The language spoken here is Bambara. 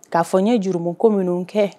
K'a fɔ n ye jurum ko minnu kɛ